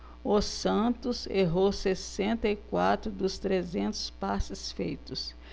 o santos errou sessenta e quatro dos trezentos passes feitos